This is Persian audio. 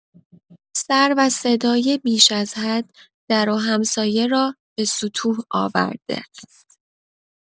سر و صدای بیش از حد، در و همسایه را به سطوح آورده است.